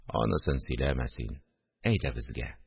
– анысын сөйләмә син, әйдә, безгә